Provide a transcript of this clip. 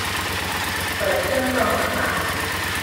เปิดเครื่องกรองอากาศ